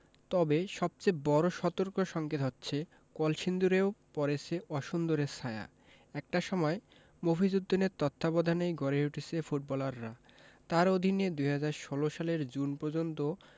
তবে সবচেয়ে বড় সতর্কসংকেত হচ্ছে কলসিন্দুরেও পড়েছে অসুন্দরের ছায়া একটা সময় মফিজ উদ্দিনের তত্ত্বাবধানেই গড়ে উঠেছে ফুটবলাররা তাঁর অধীনে ২০১৬ সালের জুন পর্যন্ত